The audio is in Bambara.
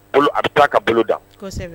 A bɛ taa a ka bolo da